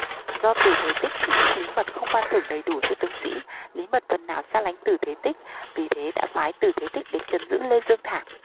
do từ thế tích chỉ trích lý mật không ban thưởng đầy đủ cho tướng sĩ lý mật phần nào xa lánh từ thế tích vì thế đã phái từ thế tích đến trấn giữ lê dương thảng